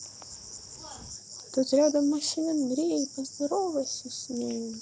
тут рядом мой сын андрей поздоровайся с ним